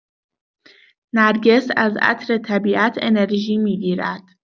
نرگس از عطر طبیعت انرژی می‌گیرد.